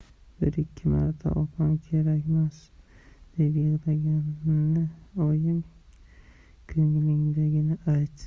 bir ikki marta opam kerakmas deb yig'laganini oyim ko'nglingdagini ayt